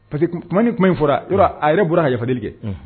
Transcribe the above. Parce que ku kuma hali ni kuma in fɔra yɔrɔ a yɛrɛ bɔra ka yafadeli kɛ unh